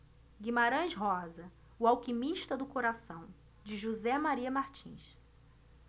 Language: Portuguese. guimarães rosa o alquimista do coração de josé maria martins